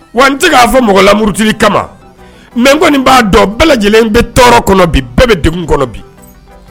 Wa tɛ k'a fɔ mɔgɔla murut kama mɛ kɔni b'a dɔn bɛɛ lajɛlen bɛ tɔɔrɔ kɔnɔ bi bɛɛ bɛ dugu kɔnɔ bi